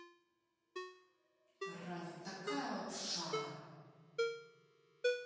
running такая лапша